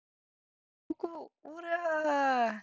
куку ура